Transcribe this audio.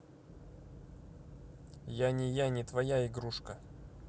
я не я не твоя игрушка